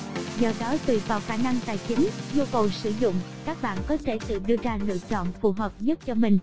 do đó tùy vào khả năng tài chính nhu cầu sử dụng các bạn có thể tự đưa ra lựa chọn phù hợp nhất cho mình